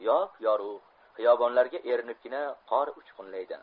yop yorug' hiyobonlarga erinibgina qor uchqunlaydi